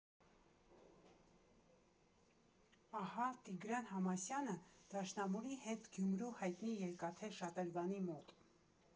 Ահա, Տիգրան Համասյանը դաշնամուրի հետ Գյումրու հայտնի երկաթե շատրվանի մոտ.